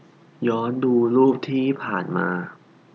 ย้อนดูรูปที่ผ่านมา